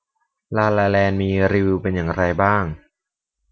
ลาลาแลนด์มีรีวิวเป็นอย่างไรบ้าง